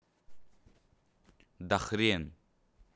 да хрен